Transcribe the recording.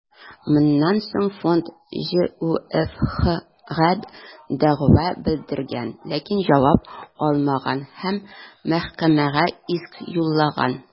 Моннан соң фонд ҖҮФХгә дәгъва белдергән, ләкин җавап алмаган һәм мәхкәмәгә иск юллаган.